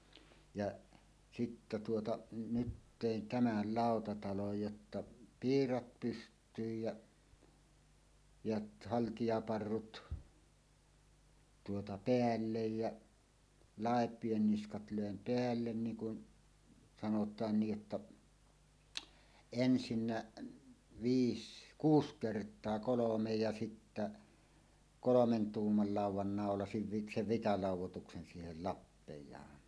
ja sitten tuota nyt tein tämän lautatalon jotta piirat pystyyn ja ja haltijaparrut tuota päälle ja läpien niskat löin päälle niin kuin sanotaan niin että ensin viisi kuusi kertaa kolme ja sitten kolmen tuuman laudan naulasin - sen vitalaudoituksen siihen lappeaan